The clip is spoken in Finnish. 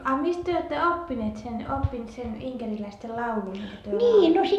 a missä te olette oppineet sen oppinut sen inkeriläisten laulun minkä te lauloitte